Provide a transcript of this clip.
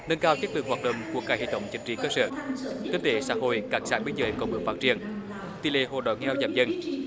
nâng cao chất lượng hoạt động của cả hệ thống chính trị cơ sở kinh tế xã hội các xã biên giới có bước phát triển tỷ lệ hộ đói nghèo giảm dần